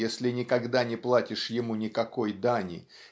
если никогда не платишь ему никакой дани